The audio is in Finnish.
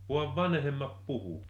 vaan vanhemmat puhui